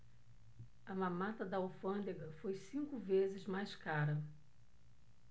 a mamata da alfândega foi cinco vezes mais cara